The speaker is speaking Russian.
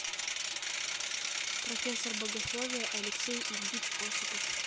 профессор богословия алексей ильич осипов